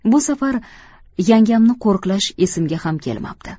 bu safar yangamni qo'riqlash esimga ham kelmabdi